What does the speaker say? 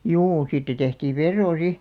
juu siitä tehtiin veroa sitten